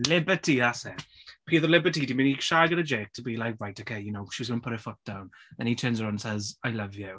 Liberty that's it. Pryd oedd Liberty 'di mynd i g- siarad gyda Jake to be like "Right ok she's going to put her foot down" and he turns around and says, "I love you".